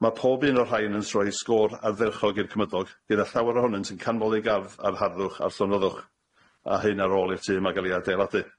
ma' pob un o'r rhain yn rhoi sgôr ardderchog i'r cymydog, gyda llawer ohonynt yn canmol eu gardd a'r harddwch a'r llonyddwch, a hyn ar ôl i'r tŷ yma ga'l 'i adeiladu.